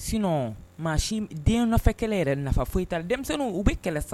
Sinɔn maa den nɔfɛ kɛlɛ yɛrɛ nafa foyi i ta denmisɛnnin u bɛ kɛlɛ sa